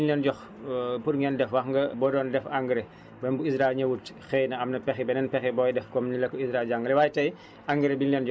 si wàllu engrais bi engrais biñ leen jox pour ngeen def wax nga boo doon def engrais bon bu ISRA ñëwut xëy na am na pexe beneen pexe booy def comme ni la ko ISRA jàngalee